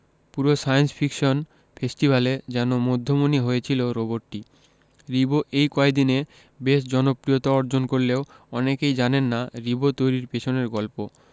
পুরো science fiction ফেস্টিভ্যালে যেন মধ্যমণি হয়েছিল রোবটটি রিবো এই কয়দিনে বেশ জনপ্রিয়তা অর্জন করলেও অনেকেই জানেন না রিবো তৈরির পেছনের গল্প